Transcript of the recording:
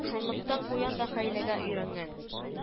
Шунлыктан куян да хәйләгә өйрәнгән